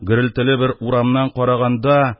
Гөрелтеле бер урамнан караганда,